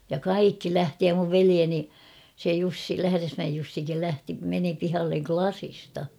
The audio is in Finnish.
ja kaikki lähti ja minun veljeni se Jussi Lähdesmäen Jussikin lähti meni pihalle lasista